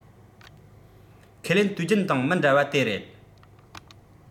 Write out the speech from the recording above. ཁས ལེན དུས རྒྱུན དང མི འདྲ བ དེ རེད